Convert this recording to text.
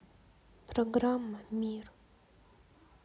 программа мир